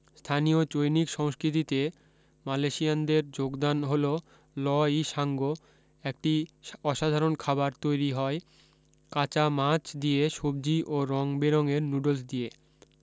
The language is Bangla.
স্থানীয় চৈনিক সংস্কৃতিতে মালয়েশিয়ানদের যোগদান হল ল ই সাঙ্গ একটি অসাধারণ খাবার তৈরী হয় কাঁচা মাছ দিয়ে সবজি ও রঙ বে রঙের ন্যুডলস দিয়ে